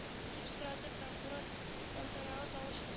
Дип сорады прокурор тантаналы тавыш белән